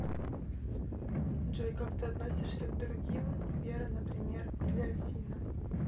джой как ты относишься к другим сбера например или афина